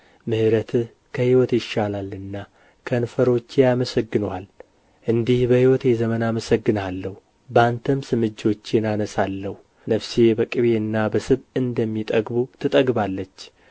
ምሕረትህ ከሕይወት ይሻላልና ከንፈሮቼ ያመሰግኑሃል እንዲህ በሕይወቴ ዘመን አመሰግንሃለሁ በአንተም ስም እጆቼን አነሣለሁ ነፍሴ በቅቤና በስብ እንደሚጠግቡ ትጠግባለች